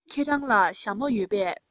ཁྱེད རང ལ ཞྭ མོ ཡོད པས